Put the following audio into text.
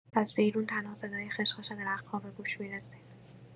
از بیرون تنها صدای خش‌خش درخت‌ها به گوش می‌رسید.